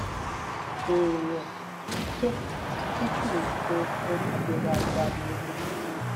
”Èèyàn jẹ́jẹ́ tí kì í ṣe onígbèrágaa ni.”